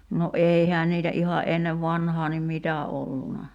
no eihän niitä ihan ennen vanhaan niin mitä ollut